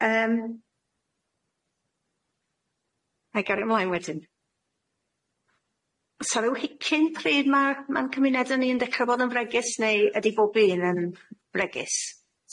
Yym. Nâi gario mlaen wedyn. Sa ryw hicyn pryd ma' ma'n cymuneda ni yn dechre fod yn fregus neu ydi bob un yn fregus?